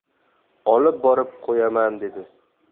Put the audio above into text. olib borib qo'yaman dedi